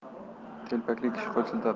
telpakli kishi qo'l siltadi